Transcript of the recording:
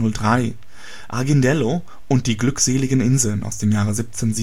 1803) Ardinghello und die glückseligen Inseln 1787